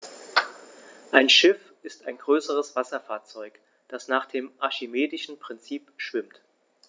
Ein Schiff ist ein größeres Wasserfahrzeug, das nach dem archimedischen Prinzip schwimmt.